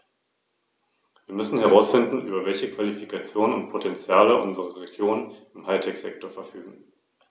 Die Abstimmung findet morgen um 12.00 Uhr statt.